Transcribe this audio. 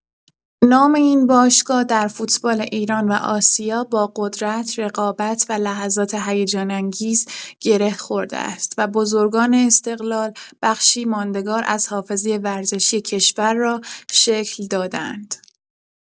نام این باشگاه در فوتبال ایران و آسیا با قدرت، رقابت و لحظات هیجان‌انگیز گره خورده است و بزرگان استقلال بخشی ماندگار از حافظه ورزشی کشور را شکل داده‌اند.